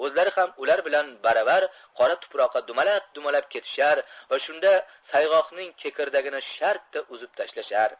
o'zlari ham ular bilan baravar qora tuproqqa dumalab dumalab ketishar va shunda sayg'oqning kekirdagini shartta uzib tashlashar